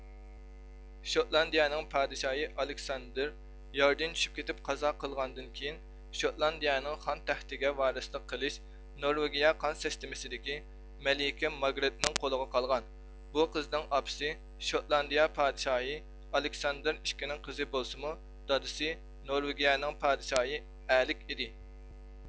شوتلاندىيىنىڭ پادىشاھى ئالىكساندىر ياردىن چۈشۈپ كىتىپ قازا قىلغاندىن كىيىن شوتلاندىيىنىڭ خان تەختىگە ۋارسلىق قىلىش نورۋېگىيە قان سىسىتىمىسىدىكى مەلىكە ماگرىتنىڭ قولىغا قالغان بۇ قىزنىڭ ئاپىسى شوتلاندىيە پادىشاھى ئالىكساندىر ئىككى نىڭ قىزى بولسىمۇ دادىسى نورۋېگىيەنىڭ پادىشاھى ئەلىك ئىدى